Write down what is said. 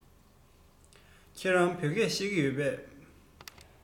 ཁྱེད རང བོད སྐད ཤེས ཀྱི ཡོད པས